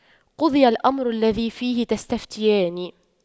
قُضِيَ الأَمرُ الَّذِي فِيهِ تَستَفِتيَانِ